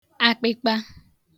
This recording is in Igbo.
akpịkpa